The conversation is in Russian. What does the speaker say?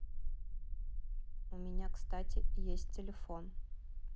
у меня кстати есть телефон